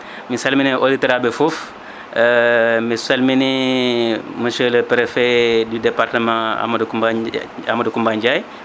mi samini auditeur aɓe foof mi salmini monsieur le prefet du département Amadou Coumba Amadou Coumba Ndiaye